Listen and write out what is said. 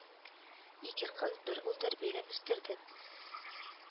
Ике кыз, бер ул тәрбияләп үстерде